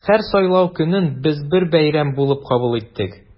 Һәр сайлау көнен без бер бәйрәм булып кабул иттек.